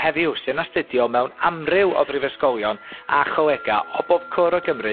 heddiw sy'n asdudio mewn amryw o brifysgolion a cholega' o bob cwr o Gymru